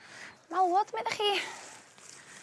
Malwod meddach chi?